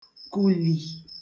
kùlì